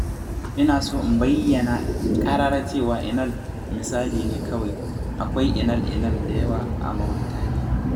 Ina so in bayyana ƙarara cewa Inal misali ne kawai; akwai 'Inal-inal' da yawa a Mauritaniya.